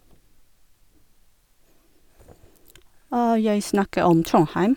Jeg snakke om Trondheim.